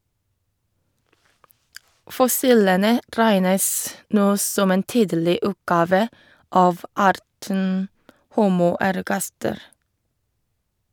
Fossilene regnes nå som en tidlig utgave av arten Homo ergaster.